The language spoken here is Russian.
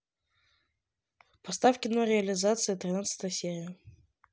поставь кино реализация тринадцатая серия